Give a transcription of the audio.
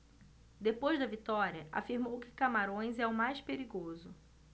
depois da vitória afirmou que camarões é o mais perigoso